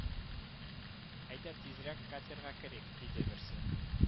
Әйдә тизрәк катерга керик,- диде берсе